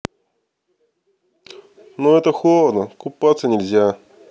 но это холодно купаться нельзя